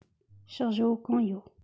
ཕྱོགས བཞི བོ གང ཡོད